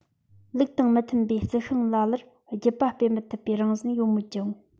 ལུགས དང མི མཐུན པའི རྩི ཤིང ལ ལར རྒྱུད པ སྤེལ མི ཐུབ པའི རང བཞིན ཡོད མོད ཀྱང